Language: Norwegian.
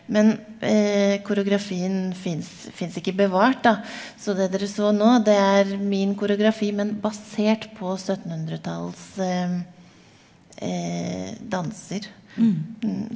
men koreografien fins fins ikke bevart da, så det dere så nå det er min koreografi men basert på syttenhundretallsdanser .